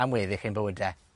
am weddill ein bywyde.